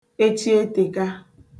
echietèka